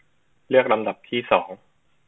เลือกลำดับที่สอง